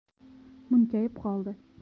munkayib qoldi